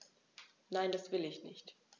Nein, das will ich nicht.